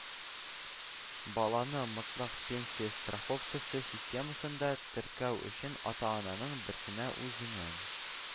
Баланы мотлак пенсия страховкасы системасында теркәү өчен ата-ананың берсенә үзенең